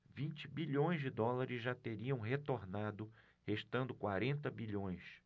vinte bilhões de dólares já teriam retornado restando quarenta bilhões